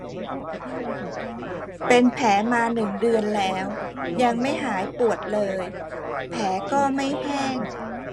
เป็นแผลมาหนึ่งเดือนแล้วยังไม่หายปวดเลยแผลก็ไม่แห้ง